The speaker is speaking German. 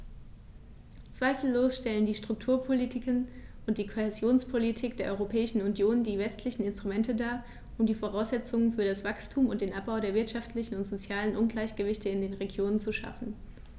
Zweifellos stellen die Strukturpolitiken und die Kohäsionspolitik der Europäischen Union die wesentlichen Instrumente dar, um die Voraussetzungen für das Wachstum und den Abbau der wirtschaftlichen und sozialen Ungleichgewichte in den Regionen zu schaffen.